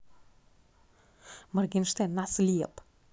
моргенштерн ослеп